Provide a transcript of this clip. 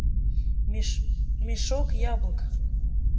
мешок яблок